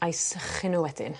A'i sychu n'w wedyn